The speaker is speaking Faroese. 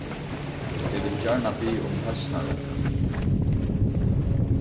eg vil gjarna biðja um høsnarunga